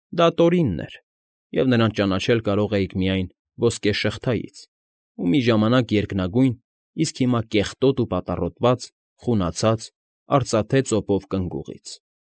Դա Տորինն էր, և նրան ճանաչել կարող էիք միայն ոսկե շղթայից ու մի ժամանակ երկնագույն, իսկ հիմա կեղտոտ ու պատառոտված, խունացած, արծաթե ծոպով կնգուղից։